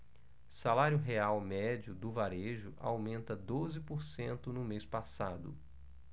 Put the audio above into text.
salário real médio do varejo aumenta doze por cento no mês passado